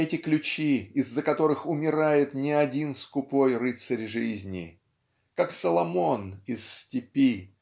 эти ключи, из-за которых умирает не один скупой рыцарь жизни. Как Соломон из "Степи"